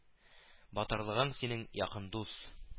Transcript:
Батырлыгың синең, якын дус